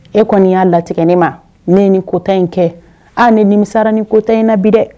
E kɔni y'a latigɛ ne ma ne ye ni kota in kɛ ah, ne nimisara ni kota in na bi dɛ!